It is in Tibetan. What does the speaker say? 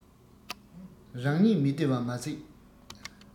རང ཉིད མི བདེ བ མ ཟད